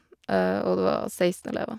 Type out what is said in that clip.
Og det var seksten elever.